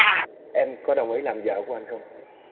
em có đồng ý làm vợ của anh không